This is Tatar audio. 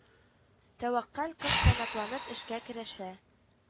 Тәвәккәл кыз канатланып эшкә керешә